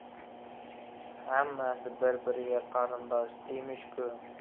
hammasi bir biriga qarindosh emish ku